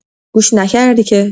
گوش نکردی که.